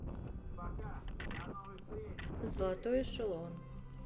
золотой эшелон